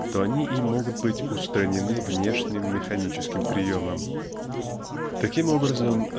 то они и могут быть устранены внешним механическим приемом. Таким образом